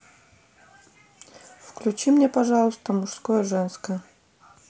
включи мне пожалуйста мужское женское